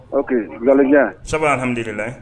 Ɔkekalajan sabu ahamdulila